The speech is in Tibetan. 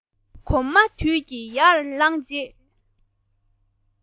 གོག མ དུད ཀྱིས ཡར ལངས རྗེས